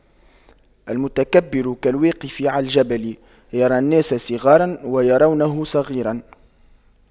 المتكبر كالواقف على الجبل يرى الناس صغاراً ويرونه صغيراً